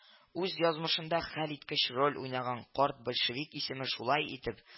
Үз язмышында хәлиткеч роль уйнаган карт большевик исеме, шулай итеп